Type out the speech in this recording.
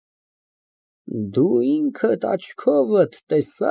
ՄԱՐԳԱՐԻՏ ֊ Ինչո՞ւ ընտիր։ ԲԱԳՐԱՏ ֊ Երեկույթում միայն ինժեներներ են լինելու։